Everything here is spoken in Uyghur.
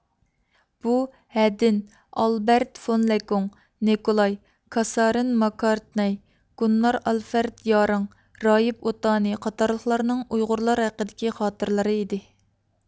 بۇ ھەدىن ئالبەرت فون لەكوك نىكولاي كاسەرىن ماكارتنەي گۇننار ئالفەرد ياررىڭ راھىب ئوتانى قاتارلىقلارنىڭ ئۇيغۇرلار ھەققىدىكى خاتىرىلىرى ئىدى